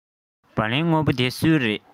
སྦ ལན སྔོན པོ འདི སུའི རེད